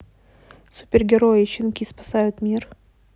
супергерои щенки спасают мир